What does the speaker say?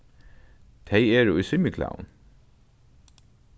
tey eru í svimjiklæðum